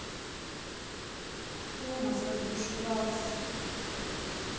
томас разбушевался